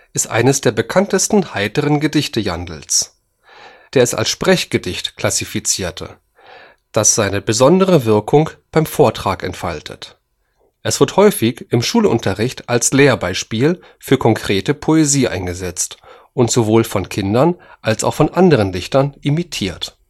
ist eines der bekanntesten heiteren Gedichte Jandls, der es als Sprechgedicht klassifizierte, das seine besondere Wirkung beim Vortrag entfaltet. Es wird häufig im Schulunterricht als Lehrbeispiel für konkrete Poesie eingesetzt und sowohl von Kindern als auch von anderen Dichtern imitiert